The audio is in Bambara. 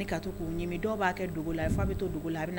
Ka dɔw b'a kɛ dugu la fo bɛ to dugu la